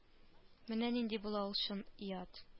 Менә нинди була ул чын и ат